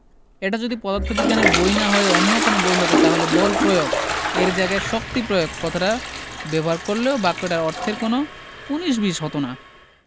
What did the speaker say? এটা যদি পদার্থবিজ্ঞানের বই না হয়ে অন্য কোনো বই হতো তাহলে বল প্রয়োগ এর জায়গায় শক্তি প্রয়োগ কথাটা ব্যবহার করলেও বাক্যটার অর্থের কোনো উনিশ বিশ হতো না